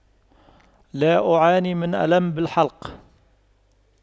لا أعاني من ألم بالحلق